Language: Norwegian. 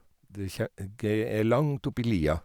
Det kje gei er langt oppi lia.